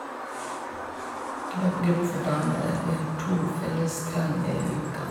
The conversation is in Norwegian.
Løpegruppe for damer, og vi har to fellestreninger i uka.